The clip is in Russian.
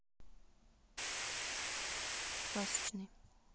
пасечный